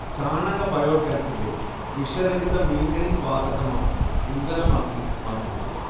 ചാണക ബയോഗ്യാസിലെ വിഷരഹിത മീഥെയ്ൻ വാതകമാണ് ഇന്ധനമാക്കി മാറ്റുന്നത്